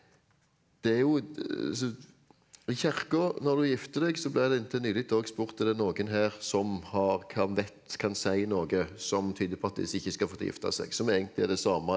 det er jo altså i kirka når du gifter deg så ble det inntil nylig òg spurt er det noen her som har kan vet kan si noe som tyder på at disse ikke skal få lov til å gifte seg som egentlig er det samme.